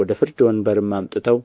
ወደ ፍርድ ወንበርም አምጥተው